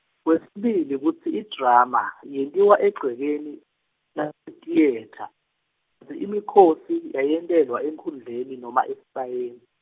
kwesibili kutsi idrama, yentiwa egcekeni, lasetiyetha, kantsi imikhosi, yayentelwa enkhundleni noma esibayeni.